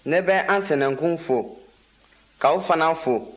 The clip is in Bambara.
ne be an sinankun fo k'aw fana fo